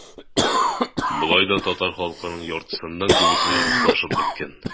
Болай да татар халкының яртысыннан күбесе - руслашып беткән.